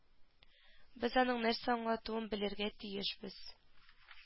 Без аның нәрсәне аңлатуын белергә тиешбез